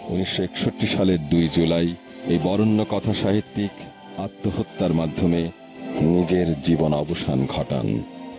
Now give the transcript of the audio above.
১৯৬১ সালের ২ জুলাই এ বরেণ্য কথা সাহিত্যিক আত্মহত্যার মাধ্যমে নিজের জীবন অবসান ঘটান